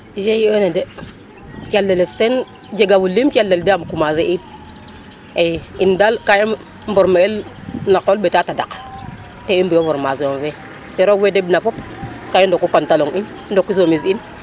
Gie ne de caleles ten jega fulim calelde yam commencer im i in dal ka i mborme el a qool ɓetaɗak te i mbi u formation fe ye roog fe deɓ na fop ka i ndoku pantalon in ndoku chemise in